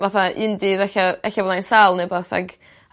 fathaa un dydd ella ella bydda i'n sâl ne' wbath ag